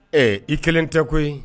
Ee i kelen tɛ koyi